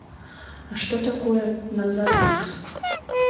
а что такое назад x